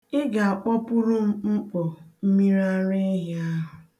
I ga-akpọpuru m mkpo mmiri araehi ahụ.